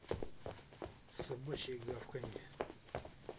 собачье гавканье